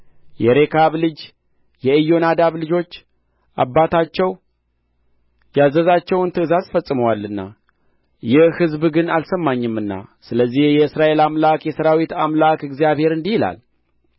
የሬካብ ልጅ የኢዮናዳብ ልጆች አባታቸው ያዘዛቸውን ትእዛዝ ፈጽመዋልና ይህ ሕዝብ ግን አልሰማኝምና ስለዚህ የእስራኤል አምላክ የሠራዊት አምላክ እግዚአብሔር እንዲህ ይላል